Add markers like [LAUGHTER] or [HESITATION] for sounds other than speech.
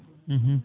[HESITATION] [HESITATION]